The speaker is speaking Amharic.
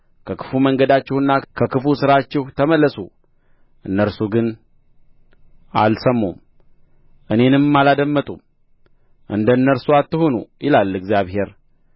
ከክፉ መንገዳችሁና ከክፉ ሥራችሁ ተመለሱ እነርሱ ግን አልሰሙም እኔንም አላደመጡም እንደ እነርሱ አትሁኑ ይላል እግዚአብሔር